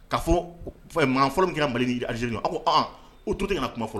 K'a fɔ mankan fɔlɔ min kɛra Mali ni Aljeri cɛ, aw ko an an, ko autorité kana kuma fɔlɔ